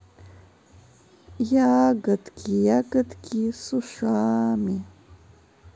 ягодки ягодки с ушами